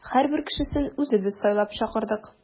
Һәрбер кешесен үзебез сайлап чакырдык.